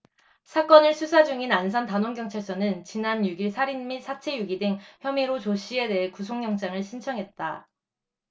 사건을 수사중인 안산단원경찰서는 지난 육 일 살인 및 사체유기 등 혐의로 조씨에 대해 구속영장을 신청했다